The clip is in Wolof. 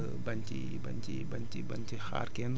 ñu xool naka lañ koy aaralee suñu bopp